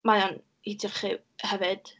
Mae o'n hitio chi hefyd.